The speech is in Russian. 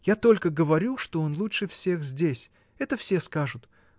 Я только говорю, что он лучше всех здесь: это все скажут.